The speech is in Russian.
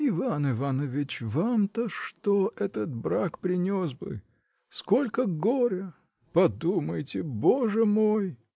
— Иван Иванович, вам-то что этот брак принес бы!. сколько горя!. Подумайте! Боже мой!